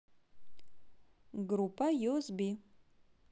группа юэсби